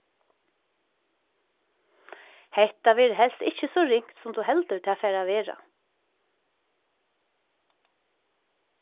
hetta verður helst ikki so ringt sum tú heldur tað fara at vera